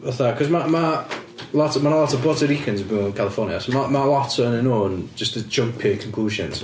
fatha cause ma' ma' lots... ma 'na lot o Puerto Ricans yn byw yn California, so ma' ma' lot ohonyn nhw jyst yn jympio i conclusions.